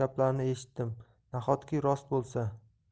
gaplarni eshitdim nahotki rost bo'lsa